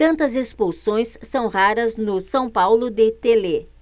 tantas expulsões são raras no são paulo de telê